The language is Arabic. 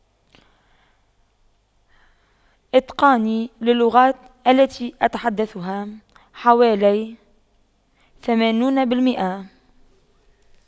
إتقاني للغات التي أتحدثها حوالي ثمانون بالمئة